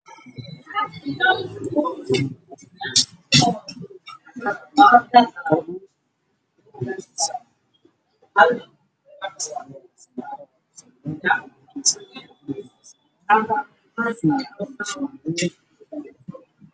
Waa laba kabood oo midabkooda yahay madow iyo caddaan